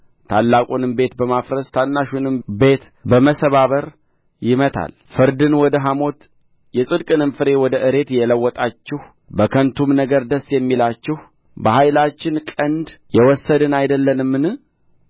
ታላቁንም ቤት በማፍረስ ታናሹንም ቤት በመሰባበር ይመታል ፍርድን ወደ ሐሞት የጽድቅንም ፍሬ ወደ እሬት የለወጣችሁ በከንቱም ነገር ደስ የሚላችሁ በኃይላችን ቀንድ የወሰድን አይደለምን